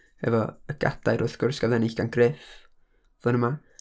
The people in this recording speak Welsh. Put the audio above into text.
Efo y Gadair, wrth gwrs, gafodd ei ennill gan Gruff flwyddyn yma.